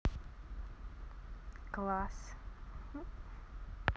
класс